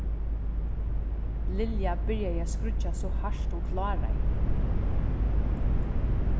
lilja byrjaði at skríggja so hart hon kláraði